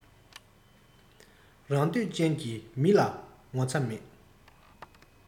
རང འདོད ཅན གྱི མི ལ ངོ ཚ མེད